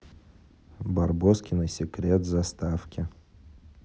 барбоскины секрет заставки